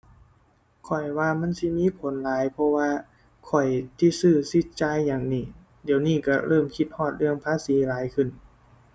ข้อยว่ามันสิมีผลหลาย เพราะว่าข้อยสิซื้อ สิจ่ายหยังหนิ เดี๋ยวนี้ก็เริ่มคิดฮอดเรื่องภาษีหลายขึ้น